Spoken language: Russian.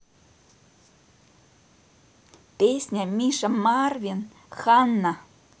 песня миша марвин ханна